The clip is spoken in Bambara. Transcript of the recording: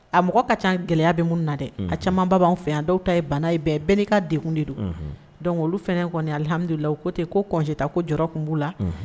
A mɔgɔ ka ca gɛlɛya bɛ minnu na dɛ a camanba b'an fɛ yan dɔw ta ye bana ye bɛɛ bɛɛ n'i ka degun de don, unhun, donc olu fana kɔni alihamidulila u ko ten ko congé tako jɔrɔ tun b'u la